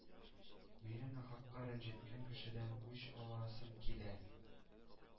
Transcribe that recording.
— мине нахакка рәнҗеткән кешедән үч аласым килә.